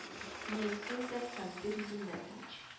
Ни әйтсәң дә казбек зиннәтович